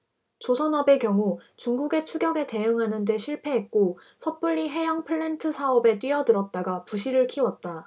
조선업의 경우 중국의 추격에 대응하는 데 실패했고 섣불리 해양플랜트 산업에 뛰어들었다가 부실을 키웠다